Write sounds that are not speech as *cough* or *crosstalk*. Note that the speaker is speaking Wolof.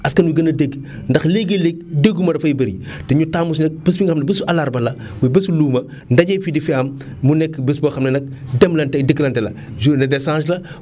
askan wi gën a dégg ndax léegi-léeg dégguma dafay bëri te ñu taamu si nag bés bi nga xam ne bésu àllarba la muy bésu luuma ndaje fi di fi am *inhales* mu nekk bés boo xam ne nag demlanteeg dikklante la journée d' échange la *inhales*